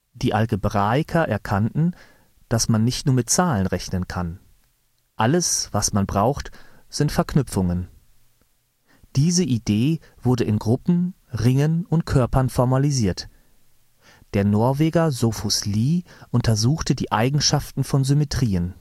Die Algebraiker erkannten, dass man nicht nur mit Zahlen rechnen kann; alles, was man braucht, sind Verknüpfungen. Diese Idee wurde in Gruppen, Ringen und Körpern formalisiert. Der Norweger Sophus Lie untersuchte die Eigenschaften von Symmetrien